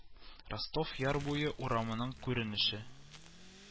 Ростов яр буе урамының күренеше